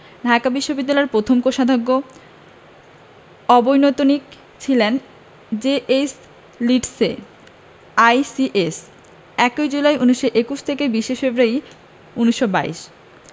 ঢাকা বিশ্ববিদ্যালয়ের প্রথম কোষাধ্যক্ষ অবৈতনিক ছিলেন জে.এইচ লিন্ডসে আইসিএস ১ জুলাই ১৯২১ থেকে ২০ ফেব্রুয়ারি ১৯২২